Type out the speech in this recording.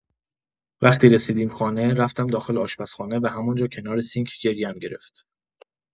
وقتی رسیدیم خانه رفتم داخل آشپزخانه و همانجا کنار سینک گریه‌ام گرفت.